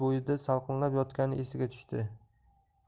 bo'yida salqinlab yotgani esiga tushdi